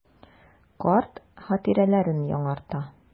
Карт хатирәләрен яңарта.